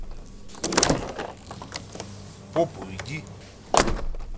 попу иди